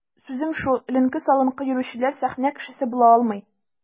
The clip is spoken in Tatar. Сүзем шул: эленке-салынкы йөрүчеләр сәхнә кешесе була алмый.